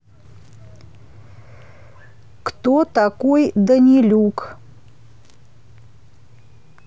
кто такой данилюк